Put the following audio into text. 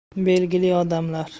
belgili odamlar